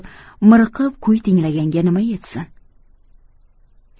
miriqib kuy tinglaganga nima yetsin